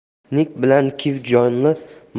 nig bilan kiv jonli